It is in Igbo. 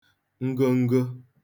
ngongo